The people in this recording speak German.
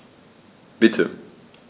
Bitte.